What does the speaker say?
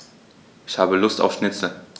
Ich habe Lust auf Schnitzel.